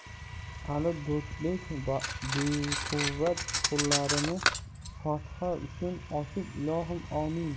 ali do'stbek baquvvat qo'llarini fotiha uchun ochib ilohi omin